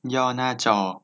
ย่อหน้าจอ